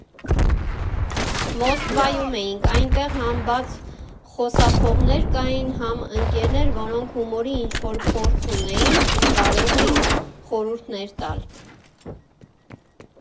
Մոսկվայում էինք, այնտեղ համ բաց խոսափողներ կային, համ ընկերներ, որոնք հումորի ինչ֊որ փորձ ունեին ու կարող էին խորհուրդներ տալ։